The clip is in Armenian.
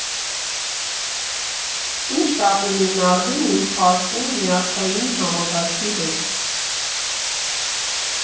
Ի՞նչ կապ ունի նարդին իմ խարխուլ նյարդային համակարգի հետ։